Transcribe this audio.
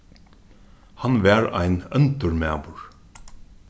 hann var ein óndur maður